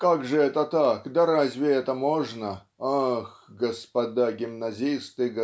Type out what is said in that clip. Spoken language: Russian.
Как же это так, да разве это можно! Ах господа гимназисты